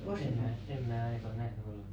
en minä en minä ainakaan ole nähnyt ollenkaan